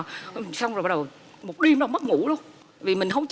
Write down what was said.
xong rồi bắt đầu một đêm đó mất ngủ lun vì mình không